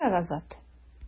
Ярар, Азат.